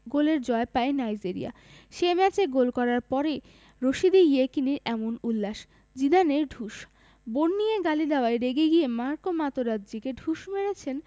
গোলের জয় পায় নাইজেরিয়া সে ম্যাচে গোল করার পরই রশিদী ইয়েকিনির এমন উল্লাস জিদানের ঢুস বোন নিয়ে গালি দেওয়ায় রেগে গিয়ে মার্কো মাতেরাজ্জিকে ঢুস মেরেছেন